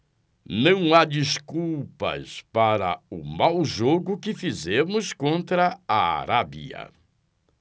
não há desculpas para o mau jogo que fizemos contra a arábia